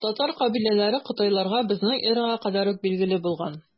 Татар кабиләләре кытайларга безнең эрага кадәр үк билгеле булган.